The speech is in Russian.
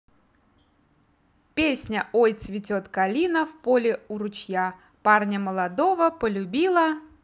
песня ой цветет калина в поле ручья парня молодого полюбила